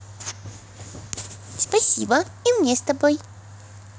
спасибо и мне с тобой